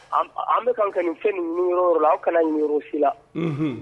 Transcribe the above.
An bɛka ka ka nin fɛn ni yɔrɔ la an kana si la